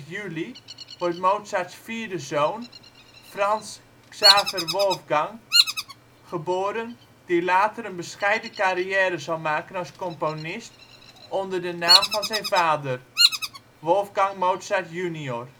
juli wordt Mozarts vierde zoon, Franz Xaver Wolfgang, geboren die later een bescheiden carrière zal maken als componist onder de naam van zijn vader (Wolfgang Mozart junior